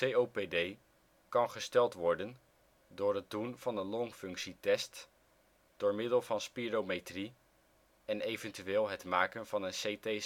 COPD kan gesteld worden door het doen van een longfunctietests door middel van spirometrie en eventueel het maken van een CT-scan